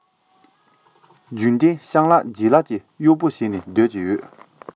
རྒྱུན ལྡན སྤྱང ལགས ལྗད ལགས ཀྱི གཡོག པོ བྱས ནས སྡོད ཀྱི ཡོད